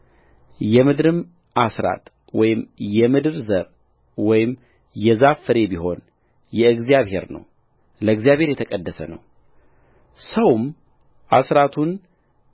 የምድርም አሥራት ወይም የምድር ዘር ወይም የዛፍ ፍሬ ቢሆን የእግዚአብሔር ነው ለእግዚአብሔር የተቀደሰ ነውሰውም አሥራቱን